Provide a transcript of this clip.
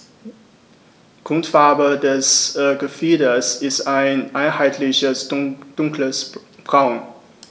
Grundfarbe des Gefieders ist ein einheitliches dunkles Braun.